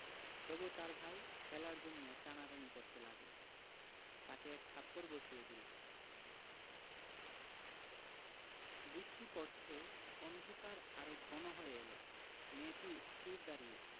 তবু তার ভাই খেলার জন্যে টানাটানি করতে লাগলে তাকে এক থাপ্পড় বসিয়ে দিলে বৃষ্টি পরছে অন্ধকার আরো ঘন হয়ে এল মেয়েটি স্থির দাঁড়িয়ে